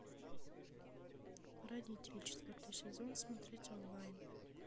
родители четвертый сезон смотреть онлайн